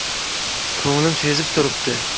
ko'nglim sezib turibdi